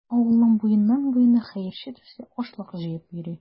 Авылның буеннан-буена хәерче төсле ашлык җыеп йөри.